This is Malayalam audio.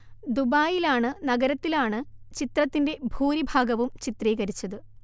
ദുബായിലാണ് നഗരത്തിലാണ് ചിത്രത്തിന്റെ ഭൂരിഭാഗവും ചിത്രീകരിച്ചത്